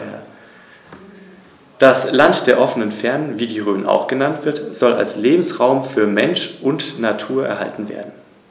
Eine länderübergreifende Arbeitsgruppe, in der hauptamtliche und ehrenamtliche Naturschützer vertreten sind, dient dazu, Strategien und Maßnahmen über die Bundesländergrenzen hinweg abzustimmen.